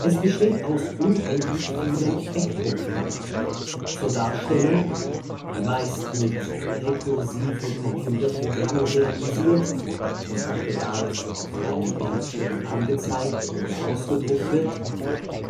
Es besteht aus unendlich vielen „ Eckpunkten “. Zur Darstellung, die meist mit rekursiven Computerprogrammen realisiert und nach Bedarf auf einem Bildschirm angezeigt oder ausgedruckt wird,